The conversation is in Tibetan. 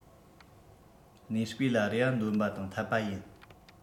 གནས སྤོས ལ རེ བ འདོན པ དང འཐད པ ཡིན